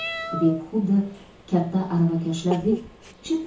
deb xuddi katta aravakashlardek chirt